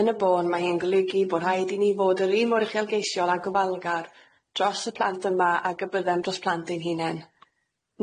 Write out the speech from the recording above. Yn y bôn mae hyn yn golygu bo' rhaid i ni fod yr un mor uchelgeisiol a gofalgar dros y plant yma ag y byddem dros plant ein hunen.